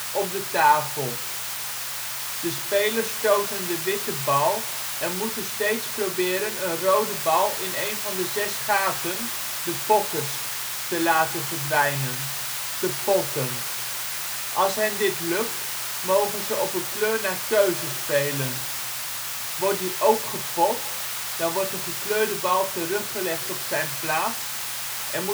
op de tafel. De spelers stoten de witte bal en moeten zo steeds proberen een rode bal in een van de zes gaten (pockets) te laten verdwijnen (te ' potten '); als hen dit lukt, mogen ze op een kleur naar keuze spelen. Wordt die ook gepot, dan wordt de gekleurde bal teruggelegd op zijn plaats en